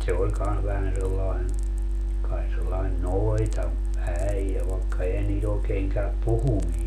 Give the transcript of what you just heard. se oli kanssa vähän sellainen kai sellainen - noitaäijä vaikka eihän niitä oikein käy puhuminen